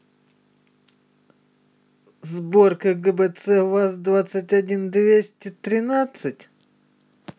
сборка гбц ваз двадцать один двести тринадцать